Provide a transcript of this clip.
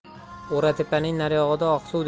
o'ratepaning naryog'ida oqsuv